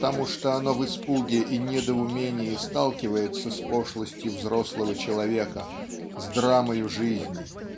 потому что оно в испуге и недоумении сталкивается с пошлостью взрослого человека с драмою жизни.